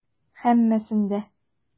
Һәммәсен дә.